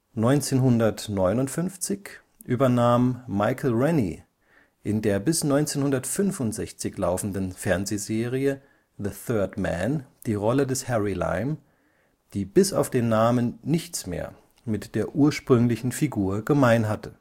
1959 übernahm Michael Rennie in der bis 1965 laufenden Fernsehserie The Third Man die Rolle des Harry Lime, die bis auf den Namen nichts mehr mit der ursprünglichen Figur gemein hatte